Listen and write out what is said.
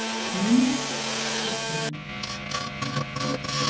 mynd og synd